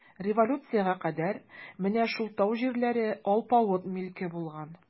Революциягә кадәр менә шул тау җирләре алпавыт милке булган.